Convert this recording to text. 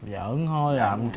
giỡn thôi làm